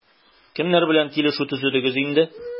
Кемнәр белән килешү төзедегез инде?